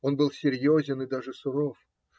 Он был серьезен и даже суров.